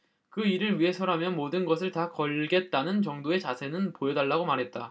그 일을 위해서라면 모든 것을 다 걸겠다는 정도의 자세는 보여달라고 말했다